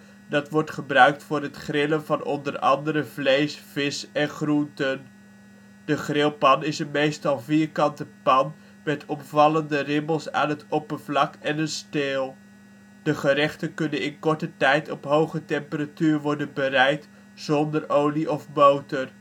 gebruikt voor het grillen van onder andere vlees, vis en groenten. De grillpan is een meestal vierkante pan met opvallende ribbels aan het oppervlak en een steel. De gerechten kunnen in een korte tijd op hoge temperatuur worden bereid, zonder olie of boter